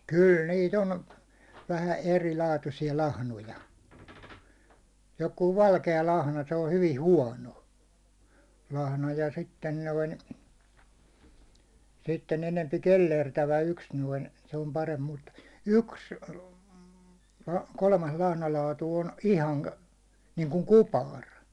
kyllä niitä on vähän erilaatuisia lahnoja joku valkea lahna se on hyvin huono lahna ja sitten noin sitten enempi kellertävä yksi noin se on parempi mutta yksi kolmas lahnalaatu on - niin kuin kupari